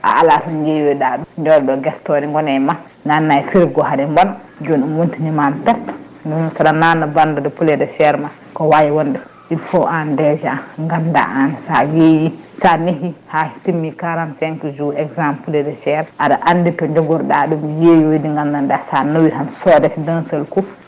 a ala ti jeyoyɗa ɗum jooɗo guertoɗe gona ema nanna e frigo haɗe bonna joni ɗum wontinimama perte miwi saɗa nanna bande de poulet de chaire ma ko wawi wonde foof il faut an déjà gandanɗa an sa yeeyi sa neehi ha timmi quarant cinq jours exemple poulet de chaire aɗa andi to jogorɗa ɗum yeeyoyde gandanɗa sa nawi tan sodete d' un seul coup